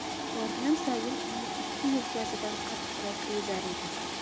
borgan sayin uning ikki yelkasidan qattiqroq ezar edi